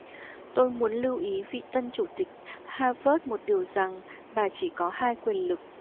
tôi muốn lưu ý vị tân chủ tịch harvard một điều rằng bà chỉ có hai quyền lực